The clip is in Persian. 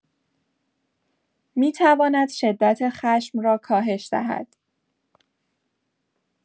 می‌تواند شدت خشم را کاهش دهد.